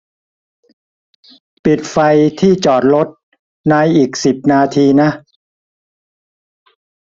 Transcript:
ปิดไฟที่จอดรถในอีกสิบนาทีนะ